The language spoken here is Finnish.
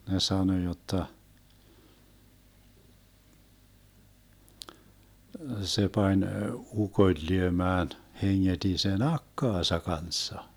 ne sanoi jotta se pani ukon lyömään hengeti sen akkansa kanssa